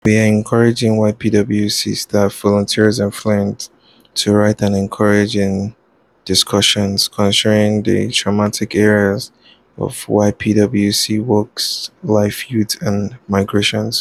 We’re encouraging YPWC’s staff, volunteers and friends to write and engage in discussions concerning the thematic areas of YPWC’s work like youth and migration.